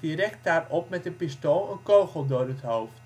direct daarop met een pistool een kogel door het hoofd.